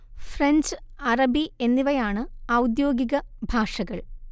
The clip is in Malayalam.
ഫ്രഞ്ച് അറബി എന്നിവയാണ് ഔദ്യോഗിക ഭാഷകൾ